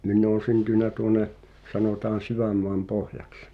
minä olen syntynyt tuonne sanotaan Sydänmaanpohjaksi